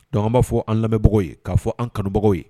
Donc an b'a fɔ an lamɛnbagaw ye k'a fɔ an kanubagaw ye